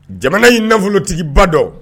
Jamana y'i nafolotigiba dɔ